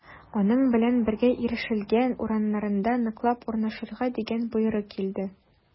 Аның белән бергә ирешелгән урыннарда ныклап урнашырга дигән боерык килде.